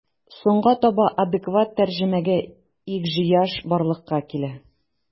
Соңга таба адекват тәрҗемәгә ихҗыяҗ барлыкка килә.